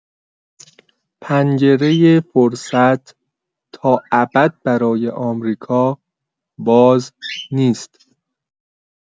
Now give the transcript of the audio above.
پنجره فرصت تا ابد برای آمریکا باز نیست.